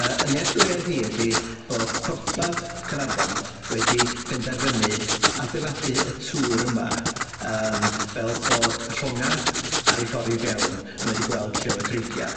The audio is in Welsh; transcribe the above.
Yy y neualldwriaeth i ydi bod Porthladd Caernarfon wedi penderfynu adeiladu y tŵr yma yym fel bod y llonga ar eu ffor i fewn yn medru gweld lle o'dd y creigia.